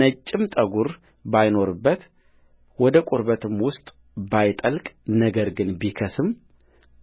ነጭም ጠጕር ባይኖርበት ወደ ቁርበቱም ውስጥ ባይጠልቅ ነገር ግን ቢከስም